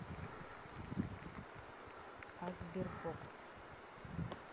а sberbox